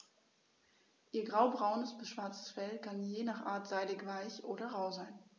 Ihr graubraunes bis schwarzes Fell kann je nach Art seidig-weich oder rau sein.